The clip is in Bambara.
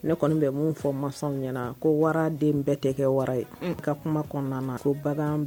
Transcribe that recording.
Ne kɔni bɛ mun fɔ ma ɲɛna ko waraden bɛɛ tɛ kɛ ye ka kuma kɔnɔna na bagan